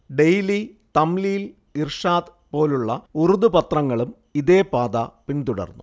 daily, Tamleel, Irshad പോലുള്ള ഉർദു പത്രങ്ങളും ഇതേപാത പിന്തുടർന്നു